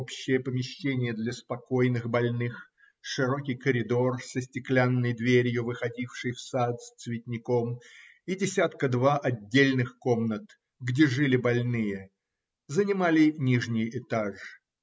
общее помещение для спокойных больных, широкий коридор со стеклянною дверью, выходившей в сад с цветником, и десятка два отдельных комнат, где жили больные, занимали нижний этаж